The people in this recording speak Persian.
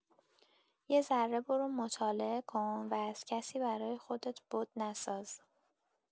یه ذره برو مطالعه کن و از کسی برا خودت بت نساز